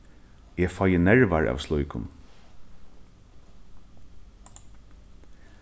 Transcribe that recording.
eg fái nervar av slíkum